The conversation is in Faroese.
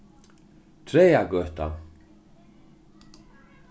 traðagøta